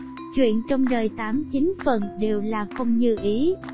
chuyện trong đời phần đều là không như ý